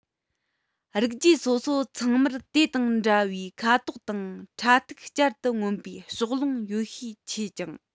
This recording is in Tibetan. རིགས རྒྱུད སོ སོ ཚང མར དེ དང འདྲ བའི ཁ དོག དང ཁྲ ཐིག བསྐྱར དུ མངོན པའི ཕྱོགས ལྷུང ཡོད ཤས ཆེ ཀྱང